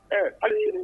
Ɛɛ hali